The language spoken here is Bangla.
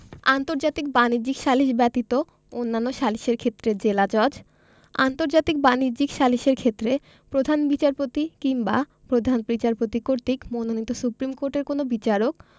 আন্তর্জাতিক বাণিজ্যিক সালিস ব্যতীত অন্যান্য সালিসের ক্ষেত্রে জেলাজজ আন্তর্জাতিক বাণিজ্যিক সালিসের ক্ষেত্রে প্রধান বিচারপতি কিংবা প্রধান বিচারপতি কর্তৃক মনোনীত সুপ্রীমকোর্টের কোন বিচারক